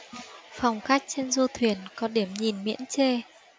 phòng khách trên du thuyền có điểm nhìn miễn chê